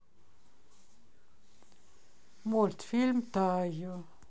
мультфильм тайо